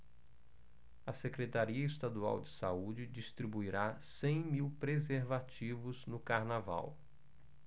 a secretaria estadual de saúde distribuirá cem mil preservativos no carnaval